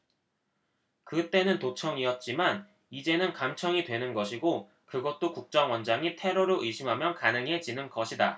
그 때는 도청이었지만 이제는 감청이 되는 것이고 그것도 국정원장이 테러로 의심하면 가능해지는 것이다